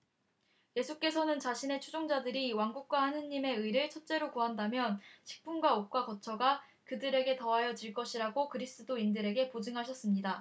예수께서는 자신의 추종자들이 왕국과 하느님의 의를 첫째로 구한다면 식품과 옷과 거처가 그들에게 더하여질 것이라고 그리스도인들에게 보증하셨습니다